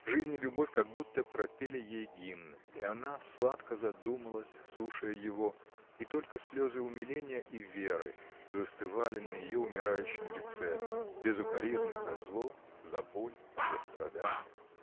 Жизнь и любовь как будто пропели ей гимн, и она сладко задумалась, слушая его, и только слезы умиления и веры застывали на ее умирающем лице, без укоризны за зло, за боль, за страдания.